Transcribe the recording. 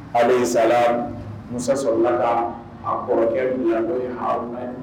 A sa muso sɔrɔla la ka a kɔrɔkɛyan ye ha ye